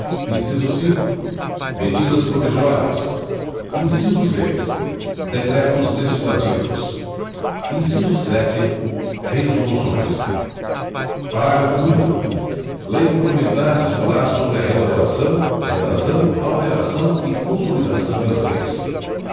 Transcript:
inciso cinco medidas provisórias inciso seis decretos legislativos inciso sete resoluções parágrafo único lei complementar disporá sobre a elaboração redação alteração e consolidação das leis